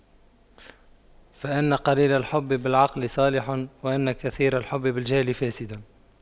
فإن قليل الحب بالعقل صالح وإن كثير الحب بالجهل فاسد